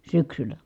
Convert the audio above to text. syksyllä